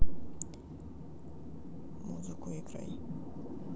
музыку играй